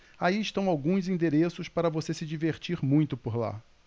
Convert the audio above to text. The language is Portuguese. aí estão alguns endereços para você se divertir muito por lá